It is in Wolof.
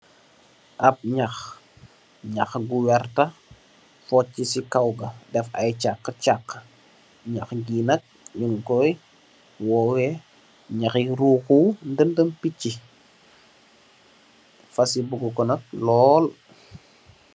Ap ñax, ñax gu werta focci ci kaw ga, def ay caxa caxa. Ñax gi nak ñing koy óyeh ñaxxi roxu ndindim picci. Fas yi bague ko nak lool.